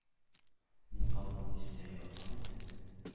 Мин кабыздым җырда ялкын итеп